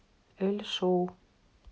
элли шоу